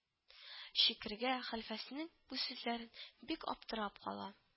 Чикергә хәлфәсенең бу сүзләрен бик аптырап кала